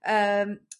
yym